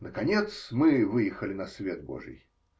Наконец, мы выехали на свет Божий.